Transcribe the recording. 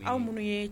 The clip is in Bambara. Anw minnu ye